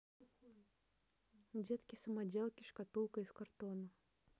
детки самоделки шкатулка из картона